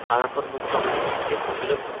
qalampirmunchoqning hidiga qo'shilib